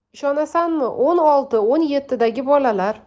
ishonasanmi o'n olti o'n yettidagi bolalar